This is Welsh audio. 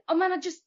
on' ma' 'na jyst